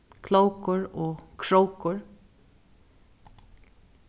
klókur og krókur